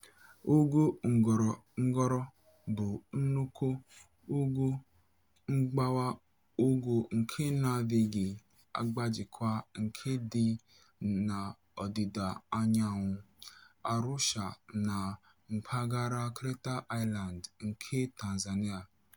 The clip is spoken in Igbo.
Ugwu Ngorongoro bụ nnukwu ugwu mgbawa ugwu, nke na-adịghị agbajikwa, nke dị na ọdịda anyanwụ Arusha na mpaghara Crater Highland nke Tanzania.